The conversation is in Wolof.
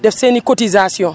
def seen i cotisation